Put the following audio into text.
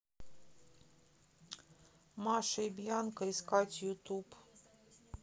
маша и бьянка искать ютуб